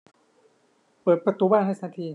เปิดประตูบ้านให้ฉันที